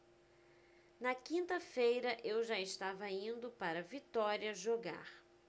na quinta-feira eu já estava indo para vitória jogar